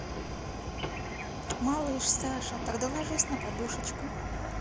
малыш саша тогда ложись на подушечку